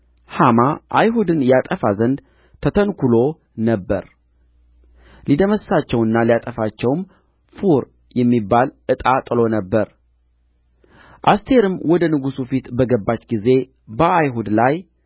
ሐማ አይሁድን ያጠፋ ዘንድ ተተንኵሎ ነበር ሊደመስሳቸውና ሊያጠፋቸውም ፉር የሚባል ዕጣ ጥሎ ነበር አስቴርም ወደ ንጉሡ ፊት በገባች ጊዜ በአይሁድ ላይ